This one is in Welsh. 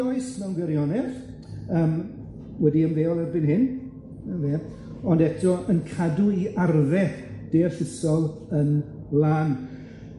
'i oes mewn gwirionedd, yym wedi ymddeol erbyn hyn, 'na fe, ond eto yn cadw'i arfe deallusol yn lân.